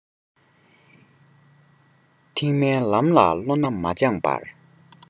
ཐེག དམན ལམ ལ བློ སྣ མ སྦྱངས པར